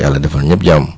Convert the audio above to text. yàlla defal ñëpp jàmm